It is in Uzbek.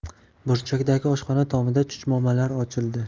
burchakdagi oshxona tomida chuchmomalar ochildi